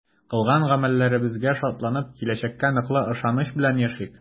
Кылган гамәлләребезгә шатланып, киләчәккә ныклы ышаныч белән яшик!